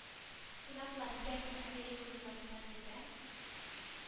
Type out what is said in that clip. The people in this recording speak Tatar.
Кунаклар, ягъни америка журналистлары исә